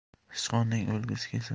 sichqonning o'lgisi kelsa